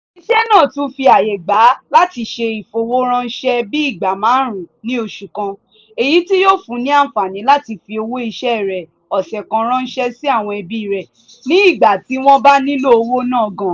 Iṣẹ́ náà tún fi àyè gbà á láti ṣe ìfowóránṣẹ́ - bíi ìgbà márùn-ún ní oṣù kan - èyí tí yóò fún ní àǹfààní láti fi owó iṣẹ́ rẹ̀ ọ̀sẹ̀ kan ránṣẹ́ sí àwọn ẹbí rẹ̀ ní ìgbà tí wọ́n bá nílò owó náà gan-an.